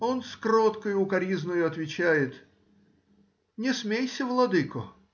Он с кроткою укоризною отвечает: — Не смейся, владыко